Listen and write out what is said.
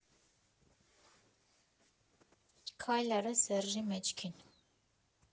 ֊ Քայլ արա Սեռժի մեջքին։